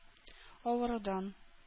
Авырудан